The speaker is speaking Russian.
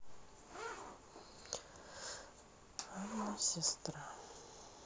анна сестра